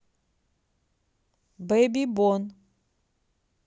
беби бон